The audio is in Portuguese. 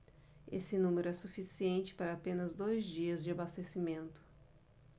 esse número é suficiente para apenas dois dias de abastecimento